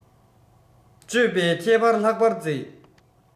སྤྱོད པའི ཁྱད པར ལྷག པར མཛེས